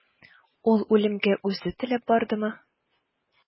Ул үлемгә үзе теләп бардымы?